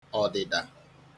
ọ̀dị̀dà